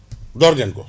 door ngeen ko